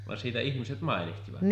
vaan siitä ihmiset mainitsivat